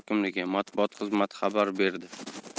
hokimligi matbuot xizmati xabar berdi